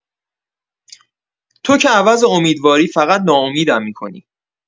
تو که عوض امیدواری فقط ناامیدم می‌کنی.